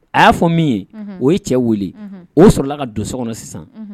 A y'a fɔ min ye o ye cɛ weele o sɔrɔlala ka don so kɔnɔ sisan